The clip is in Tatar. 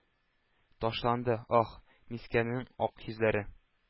Ташланды, ах! Мискинәнең ак йөзләре